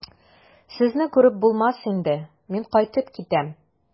Сезне күреп булмас инде, мин кайтып китәм.